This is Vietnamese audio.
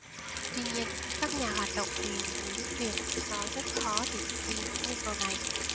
tuy nhiên các nhà hoạt động vì người giúp việc nói rất khó để thực thi những yêu cầu này